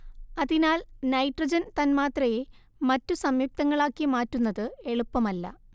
അതിനാൽ നൈട്രജൻ തന്മാത്രയെ മറ്റു സംയുക്തങ്ങളാക്കി മാറ്റുന്നത് എളുപ്പമല്ല